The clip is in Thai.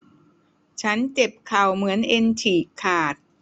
ฉันเจ็บเข่าเหมือนเอ็นฉีกขาด